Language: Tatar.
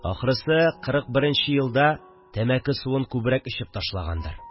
Ахрысы, кырык беренче елда тәмәке суын күбрәк эчеп ташлагандыр